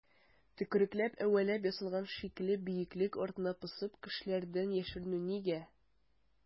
Төкерекләп-әвәләп ясалган шикле бөеклек артына посып кешеләрдән яшеренү нигә?